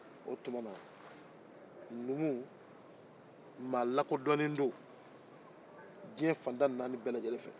o tuma na numu mɔgɔ lakodɔlen don diɲɛ fan tan ni naani bɛɛ lajɛlen fɛ